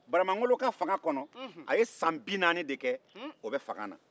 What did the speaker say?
baramangolo ka fanga kɔnɔ a ye san bi naani de kɛ o bɛ fanga na